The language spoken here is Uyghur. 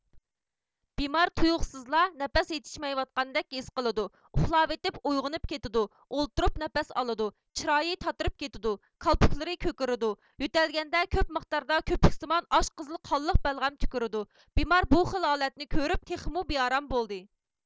بىمار تۇيۇقسىزلا نەپەس يېتىشمەيۋاتقاندەك ھېس قىلىدۇ ئۇخلاۋېتىپ ئويغىنىپ كېتىدۇ ئولتۇرۇپ نەپەس ئالىدۇ چىرايى تاتىرىپ كېتىدۇ كالپۇكلىرى كۆكىرىدۇ يۆتەلگەندە كۆپ مىقداردا كۆپۈكسىمان ئاچ قىزىل قانلىق بەلغەم تۈكۈرىدۇ بىمار بۇ خىل ھالەتنى كۆرۈپ تېخىمۇ بىئارام بولىدى